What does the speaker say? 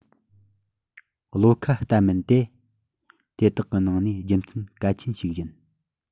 བློ ཁ གཏད མིན ནི དེ དག གི ནང ནས རྒྱུ མཚན གལ ཆེན ཞིག ཡིན